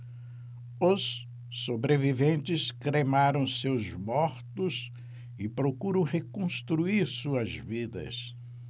os sobreviventes cremaram seus mortos e procuram reconstruir suas vidas